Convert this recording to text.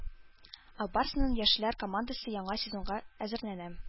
“ак барс”ның яшьләр командасы яңа сезонга әзерләнә